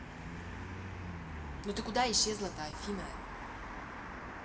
ну ты куда исчезла то афина